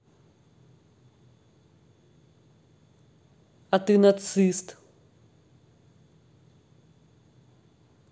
а ты нацист